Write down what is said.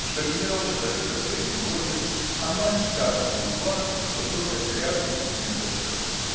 что генерал человек совсем не гордый, а мать так глупа, что только тряпки не сосет.